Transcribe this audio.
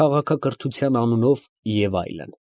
Քաղաքակրթության անունով և այլն։